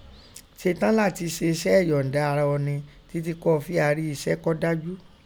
Setán látin se isẹ́ ẹ̀yọ̀ǹda ara ọ̀ni títí kọ́ ọ fi a rí isẹ́ kọ́ dájú.